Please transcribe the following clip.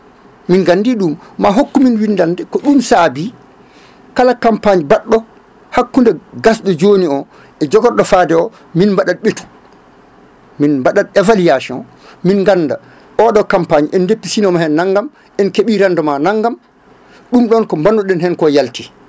min gandi ɗum ma hokkumin windande ko ɗum saabi kala campagne mbaɗɗo hakkude gasɗo joni o e jogorɗo faade o min mbaɗaɗ ɓeetu min mbaɗat évaluation min ganda oɗo campagne en deppisinoma hen naggam en keeɓi remdement naggam ɗum ɗon ko mbanno ɗen henko yalti